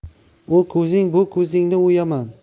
u ko'zing bu ko'zingni o'yaman